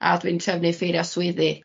A dwi'n trefnu ffeiria swyddi.